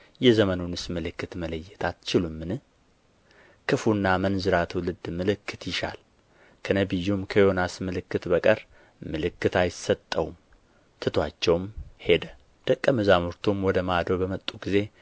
የዘመኑንስ ምልክት መለየት አትችሉምን ክፉና አመንዝራ ትውልድ ምልክት ይሻል ከነቢዩም ከዮናስ ምልክት በቀር ምልክት አይሰጠውም ትቶአቸውም ሄደ ደቀ መዛሙርቱም ወደ ማዶ በመጡ ጊዜ